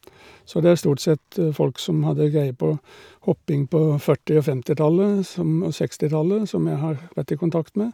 Så det er stort sett folk som hadde greie på hopping på førti- og femtitallet som og sekstitallet, som jeg har vært i kontakt med.